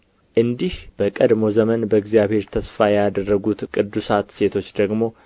እንዲህ በቀድሞ ዘመን በእግዚአብሔር ተስፋ ያደረጉት ቅዱሳት ሴቶች ደግሞ